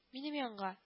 Минем янга